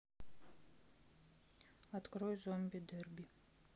открой zombie дебри